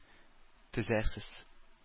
Төзәрсез